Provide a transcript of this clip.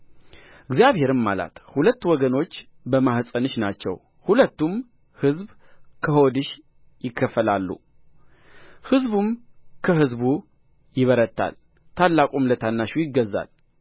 እግዚአብሔርም አላት ሁለት ወገኖች በማኅፀንሽ ናቸው ሁለቱም ሕዝብ ከሆድሽ ይከፈላሉ ሕዝብም ከሕዝብ ይበረታል ታላቁም ለታናሹ ይገዛል